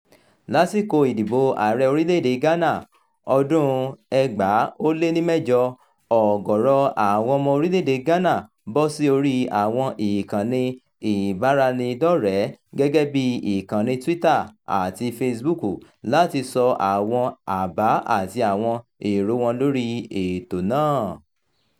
Lásìkò ìdìbò Ààrẹ orílẹ̀-èdè Ghana ọdún 2008,ọ̀gọ̀ọ̀rọ̀ àwọn ọmọ orílẹ̀ èdè Ghana bọ́ sí orí àwọn ìkànnì ìbáraẹnidọ́rẹ̀ẹ́ gẹ́gẹ́ bí ìkànnì Twitter àti Facebook láti sọ àwọn àbá àti àwọn èrò wọn lórí ètò náà.